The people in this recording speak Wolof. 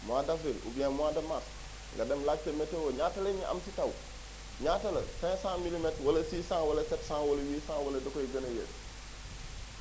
mois d' avril oubien mois de mars nga dem laajte météo ñaata la ñuy am si taw ñaata la 500 milimètres wala 600 wala 700 wala 800 wala da koy gën a yées